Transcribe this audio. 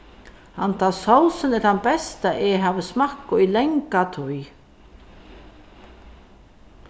hendan sósin er tann besta eg havi smakkað í langa tíð